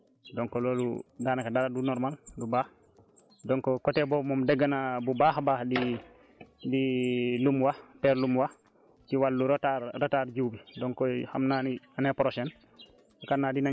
instant bii nii nag imagine bu bu taw amut donc loolu daanaka dara du normal du baax donc côté boobu moom dégg naa bu baax a baax li li lum wax père lumu wax ci wàllu retard retard jiw bi